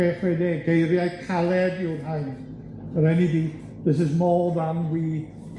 Chwech chwe deg, geiriau caled yw'r rhain, yr En E Bee, this is more than we